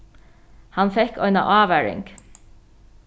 hann fekk eina ávaring